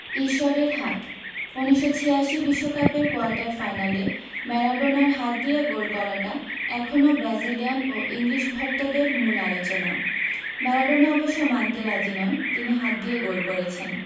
ঈশ্বরের হাত ১৯৮৬ বিশ্বকাপের কোয়ার্টার ফাইনালে ম্যারাডোনার হাত দিয়ে গোল করাটা এখনো ব্রাজিলিয়ান ও ইংলিশ ভক্তদের মূল আলোচনা ম্যারাডোনা অবশ্য মানতে রাজি নন তিনি হাত দিয়ে গোল করেছেন